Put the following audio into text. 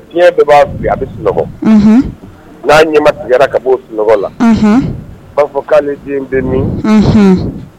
Tiɲɛ bɛɛ b'a bila a bɛ sunɔgɔ n'a ɲɛmayara ka bɔo sunɔgɔ la baa fɔ k'ale den bɛ min